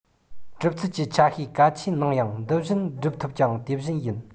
གྲུབ ཚུལ གྱི ཆ ཤས གལ ཆེན ནང ཡང འདི བཞིན བསྒྲུབ ཐུབ ཀྱང དེ བཞིན ཡིན